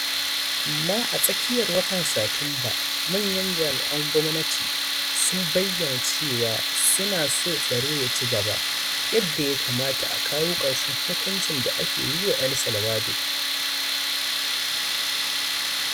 Amma a tsakiyar watan Satumba, manyan jami'an gwamnati sun bayyana cewa su na so taron ya ci gaba, yadda ya kamata a kawo karshen hukuncin da ake yi wa El Salvador.